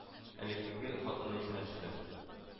Элеккеге хатыны исенә төште